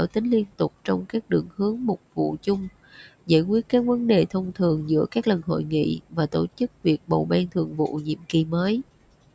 tính liên tục trong các đường hướng mục vụ chung giải quyết các vấn đề thông thường giữa các lần hội nghị và tổ chức việc bầu ban thường vụ nhiệm kỳ mới